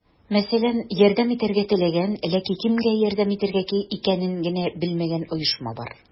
Мәсәлән, ярдәм итәргә теләгән, ләкин кемгә ярдәм итергә икәнен генә белмәгән оешма бар.